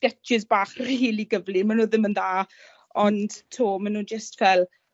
sgetshys bach rhili gyflym ma' nw ddim yn dda ond 'to ma' nw jyst fel